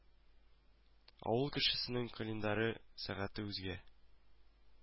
Авыл кешесенең календаре, сәгате үзге